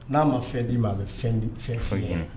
N'a ma fɛn d'i ma a bɛ fɛn fɛn foyi ye